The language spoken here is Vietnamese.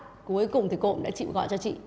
cuối cùng thì cô cũng đã chịu gọi cho chị